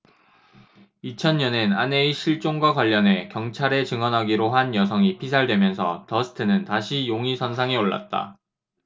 이천 년엔 아내의 실종과 관련해 경찰에 증언하기로 한 여성이 피살되면서 더스트는 다시 용의선상에 올랐다